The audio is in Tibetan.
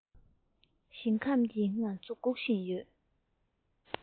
ཞིང ཁམས ཀྱིས ང ཚོ སྒུག བཞིན ཡོད